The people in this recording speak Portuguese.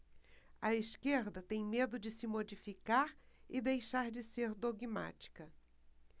a esquerda tem medo de se modificar e deixar de ser dogmática